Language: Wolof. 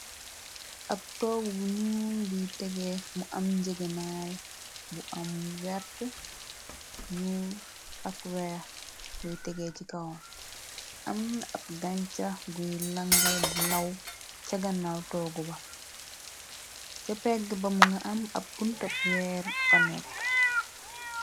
Ab toogu bu nu buy tegee mu am njegenaay bu am wert nur ak weex luy tegee ci kawon amn ab ganca guy lange di law ca gannaaw toogu ba ca pegg bamu nga am ab punta weer fa nekk.